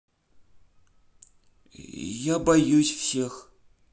я боюсь всех